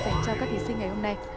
dành cho các thí sinh ngày hôm nay